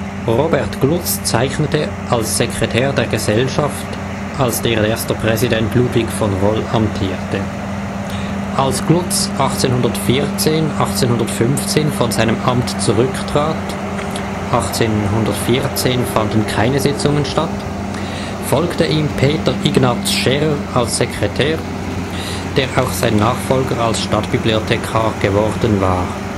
Robert Glutz zeichnete als Sekretär der Gesellschaft, als deren erster Präsident Ludwig von Roll amtierte. Als Glutz 1814 / 1815 von seinem Amt zurücktrat (1814 fanden keine Sitzungen statt), folgte ihm Peter Ignaz Scherer als Sekretär, der auch sein Nachfolger als Stadtbibliothekar geworden war